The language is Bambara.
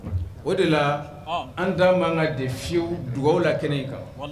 O de la an da anba ka de fiyewu dugaw la kɛnɛ kan